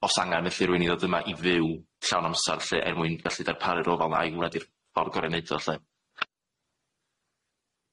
os angan felly r'w un i ddodd yma i fyw llawn amsar lly er mwyn gallu darparu'r ofal ffordd gora i neud o lly.